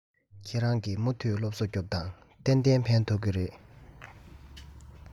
ཁྱེད རང གིས མུ མཐུད སློབ གསོ རྒྱོབས དང གཏན གཏན ཕན ཐོགས ཀྱི རེད